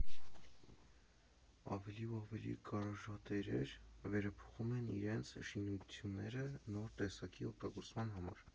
Ավելի ու ավելի գարաժատերեր վերափոխում են իրանց շինությունները նոր տեսակի օգտագործման համար։